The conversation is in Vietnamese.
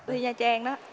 đi nha trang đó